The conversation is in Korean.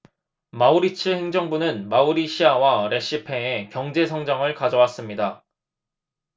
마우리츠 행정부는 마우리시아와 레시페에 경제 성장을 가져왔습니다